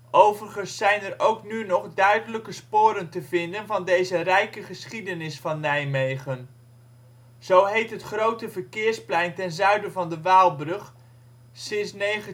Overigens zijn er ook nu nog duidelijke sporen te vinden van deze rijke geschiedenis van Nijmegen. Zo heet het grote verkeersplein ten zuiden van de Waalbrug sinds 1956